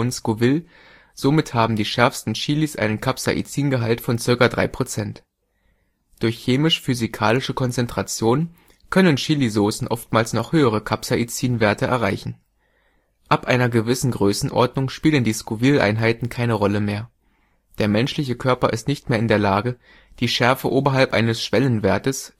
Scoville, somit haben die schärfsten Chilis einen Capsaicingehalt von ca. 3 %. Durch chemisch-physikalische Konzentration können Chilisaucen oftmals noch höhere Capsaicinwerte erreichen. Ab einer gewissen Größenordnung spielen die Scoville-Einheiten keine Rolle mehr. Der menschliche Körper ist nicht mehr in der Lage, die Schärfe oberhalb eines Schwellenwertes